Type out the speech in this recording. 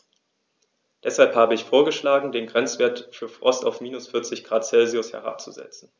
Deshalb habe ich vorgeschlagen, den Grenzwert für Frost auf -40 ºC herabzusetzen.